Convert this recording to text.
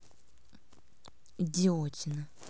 идиотина